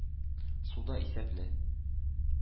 Су да исәпле.